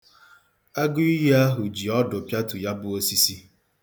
Agụiyi ahụ ji ọdụ pịatu ya bụ osisi.